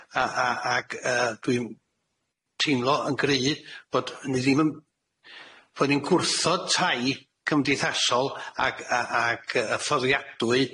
A a ag yy dwi'n teimlo yn gry bod ni ddim yn- bod ni'n gwrthod tai cymdeithasol ag a ag yy fforddiadwy